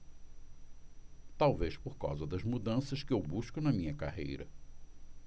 talvez por causa das mudanças que eu busco na minha carreira